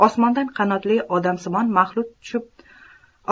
osmondan qanotli odamsimon maxluqot tushib